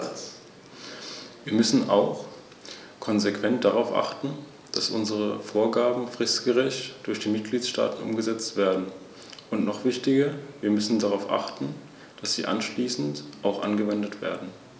Der Grund ist, dass einige Mitgliedstaaten - auch Italien und Spanien - die Annahme des geplanten dreisprachigen Übersetzungssystems mehrfach abgelehnt haben, das sich letztendlich tatsächlich als diskriminierend erweisen würde, da es eklatant gegen den Grundsatz der Gleichstellung aller Amtssprachen der Europäischen Union verstoßen hätte.